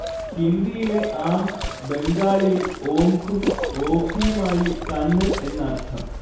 ഹിന്ദിയിലെ ആംഖ് ബംഗാളിയിൽ ഓംഖും ഓഖിയുമായി കണ്ണ് എന്നർത്ഥം